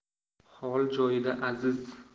xol joyida aziz